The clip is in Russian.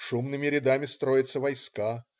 Шумными рядами строятся войска.